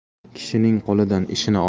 kishining qo'lidan ishini